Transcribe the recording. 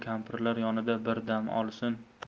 kampirlar yonida bir dam olsin